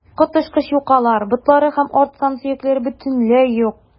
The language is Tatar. Коточкыч юкалар, ботлары һәм арт сан сөякләре бөтенләй юк.